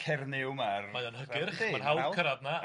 Cernyw, ma'r... Mae o'n hygyrch, ma'n hawdd cyrradd 'na...